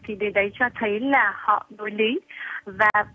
thì điều đấy cho thấy là họ đuối lý và